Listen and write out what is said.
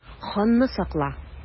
Ханны сакла!